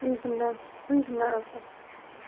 u yuzimdan bu yuzimdan o'pdi